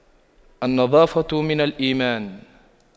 النظافة من الإيمان